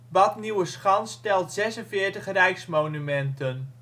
Bad Nieuweschans telt 46 rijksmonumenten